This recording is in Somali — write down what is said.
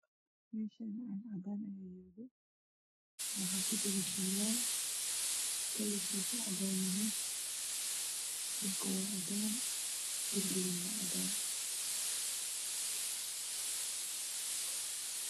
Meshan cag cadan ah ayayalo waxa kujira sirwal kalarkis madow yahay dhulka waa cadan darbigan waa cadan